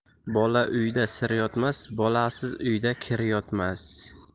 bolah uyda sir yotmas bolasiz uyda kir yotmas